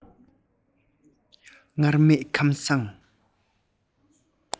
སྔར མེད ཁང བཟང